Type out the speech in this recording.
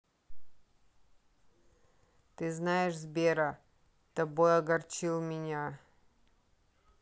ты знаешь сбера тобой огорчил меня